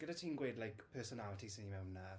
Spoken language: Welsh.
gyda ti'n gweud, like, personalities sy mewn 'na...